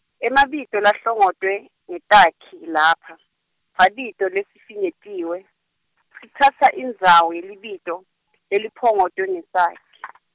emabito lahlongotwe, ngetakhi lapha, sabito lesifinyetiwe, sitsatsa indzawo yelibito, leliphongotwe ngesakhi.